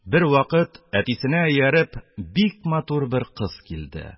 Бервакыт әтисенә ияреп, бик матур бер кыз килде.